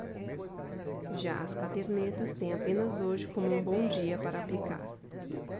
já as cadernetas têm apenas hoje como um bom dia para aplicar